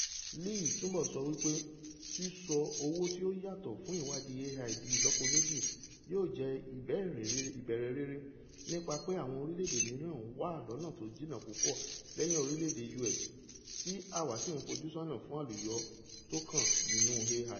Lee túnbọ̀ so wípẹ́ ''Sísọ owò tí a yà ṣọ́tọ̀ fún ìwáàdí AI di ìlọ́pòméjì yóò jẹ́ ìbẹ̀rẹ̀ rere, nípa pé àwọn orílẹ̀-èdè mìíràn wà lọ́nà tó jìnnà púpọ̀ lẹ́yìn orílẹ̀-èdè U.S., tí àwá sì ń fojú sọ́nà fún àlùyọ tókan nínú AI.